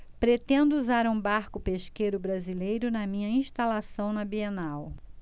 pretendo usar um barco pesqueiro brasileiro na minha instalação na bienal